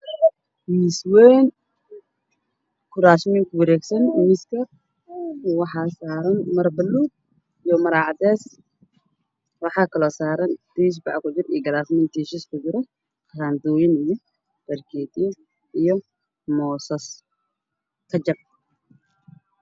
Waa miis wayn oo kuraasman kuwareegsan tahay waxaa saaran maro buluug ah iyo maro cadeys ah, tiish bac kujiro iyo galaas tiish kujiro, qaadooyin, fargeento, moos iyo kajab.